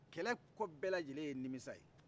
kɛlɛ kɔ bɛɛ lajɛlen ye nimisa ye